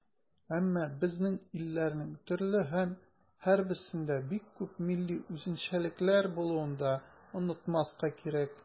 Әмма безнең илләрнең төрле һәм һәрберсендә бик күп милли үзенчәлекләр булуын да онытмаска кирәк.